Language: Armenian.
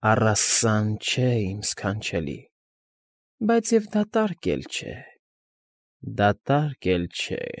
Առաս֊ս֊սան չէ, իմ ս֊ս֊սքանչելի, բայց և դատարկ էլ չէ, դատարկ էլ չէ։